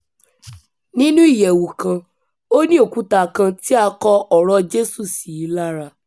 Nínú ìyẹ̀wù kan, ó ní òkúta kan tí a kọ ọ̀rọ̀ọ Jésù sí lára.